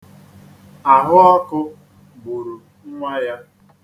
Ahụọkụ gburu nnwa ya.